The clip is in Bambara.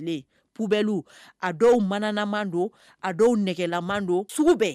P a dɔw mananaman don a dɔw nɛgɛlaman don sugu bɛɛ